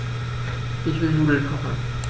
Ich will Nudeln kochen.